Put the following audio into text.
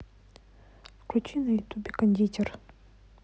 включи на ютубе кондитер